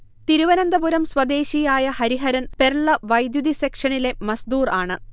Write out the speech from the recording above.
തിരുവനന്തപുരം സ്വദേശിയായ ഹരിഹരൻ പെർള വൈദ്യുതി സെക്ഷനിലെ മസ്ദൂർ ആണ്